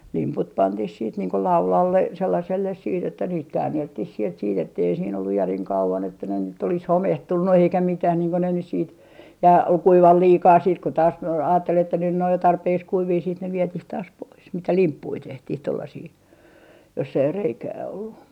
limput pantiin sitten niin kuin laudalle sellaiselle sitten että niitä käänneltiin sieltä sitten että ei siinä ollut järin kauan että ne nyt olisi homehtunut eikä mitään niin kuin ne nyt sitten ja kuivaa liikaa sitten kun taas - ajatteli että nyt ne on jo tarpeeksi kuivia sitten ne vietiin taas pois mitä limppuja tehtiin tuollaisia jossa ei reikää ollut